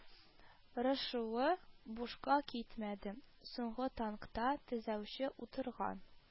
Рышуы бушка китмәде: соңгы танкта төзәүче утырган